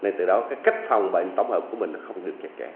ngay từ đó các cách phòng bệnh tổng hợp của mình là không được chặt chẽ